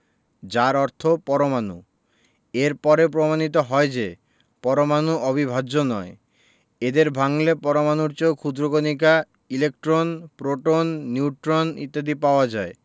যার অর্থ পরমাণু এর পরে প্রমাণিত হয় যে পরমাণু অবিভাজ্য নয় এদের ভাঙলে পরমাণুর চেয়েও ক্ষুদ্র কণিকা ইলেকট্রন প্রোটন নিউট্রন ইত্যাদি পাওয়া যায়